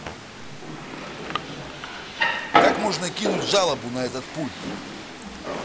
как можно кинуть жалобу на этот пульт